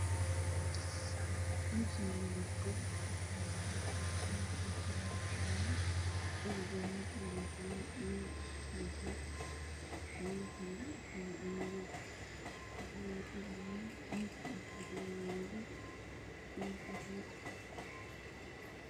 Meeshaani waa qol yaalo dhar jaalo ayuu qabaa